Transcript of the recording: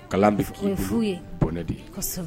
Kalan yeɛ de